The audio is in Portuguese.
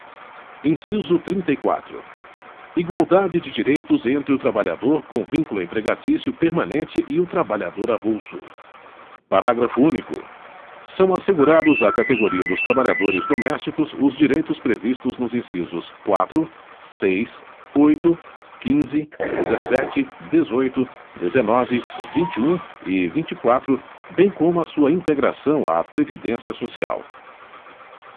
inciso trinta e quatro igualdade de direitos entre o trabalhador com vínculo empregatício permanente e o trabalhador avulso parágrafo único são assegurados à categoria dos trabalhadores domésticos os direitos previstos nos incisos quatro seis oito quinze dezessete dezoito dezenove vinte e um e vinte e quatro bem como a sua integração à previdência social